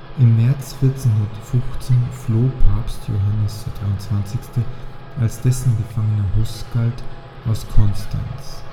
Im März 1415 floh Papst Johannes XXIII., als dessen Gefangener Hus galt, aus Konstanz